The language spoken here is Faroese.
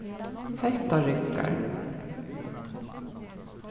hetta riggar